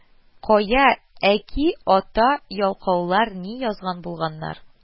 Кая, әки, ата ялкаулар ни язган булганнар